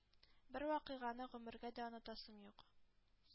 Бер вакыйганы гомергә дә онытасым юк.